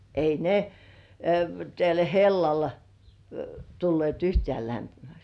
ei ne tällä hellalla tulleet yhtään lämpimäksi